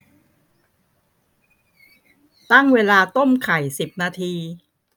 ตั้งเวลาต้มไข่สิบนาที